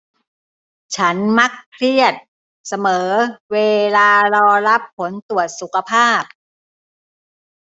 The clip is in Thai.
ฉันมักเครียดเสมอเวลารอรับผลตรวจสุขภาพ